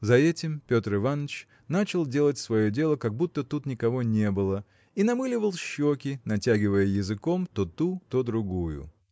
За этим Петр Иваныч начал делать свое дело как будто тут никого не было и намыливал щеки натягивая языком то ту то другую.